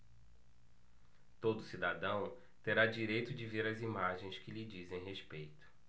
todo cidadão terá direito de ver as imagens que lhe dizem respeito